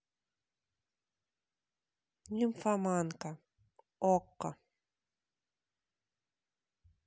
нимфоманка окко